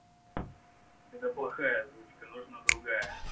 это плохая озвучка нужна другая